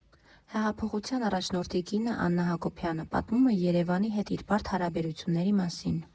Հեղափոխության առաջնորդի կինը՝ Աննա Հակոբյանը, պատմում է Երևանի հետ իր բարդ հարաբերությունների մասին։